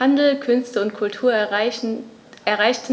Handel, Künste und Kultur erreichten